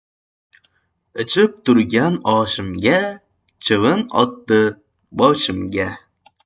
ichib turgan oshimga chivin otdi boshimga